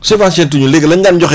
subventionné tu ñu léegi la ñu daan joxe